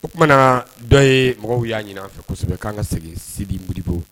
Oumana na dɔw ye mɔgɔw y'a ɲinian fɛsɛbɛ k'an ka segin si mobo